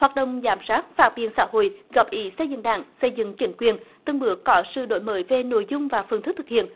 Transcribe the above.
hoạt động giám sát phản biện xã hội góp ý xây dựng đảng xây dựng chính quyền từng bước có sự đổi mới về nội dung và phương thức thực hiện